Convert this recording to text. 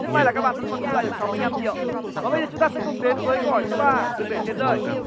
rất may là các bạn vẫn còn giữ lại được sáu mươi lăm triệu và bây giờ chúng ta sẽ cùng đến với câu hỏi số ba đừng để tiền rơi